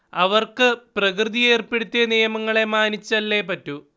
അവർക്കു പ്രകൃതി ഏർപ്പെടുത്തിയ നിയമങ്ങളെ മാനിച്ചല്ലേ പറ്റൂ